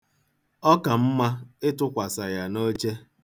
Ọ ka mma ịtụkwasa ya n'oche.